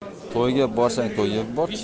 to'yga borsang to'yib bor